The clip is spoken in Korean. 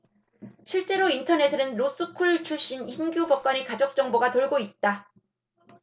실제로 인터넷에는 로스쿨 출신 신규 법관의 가족 정보가 돌고 있다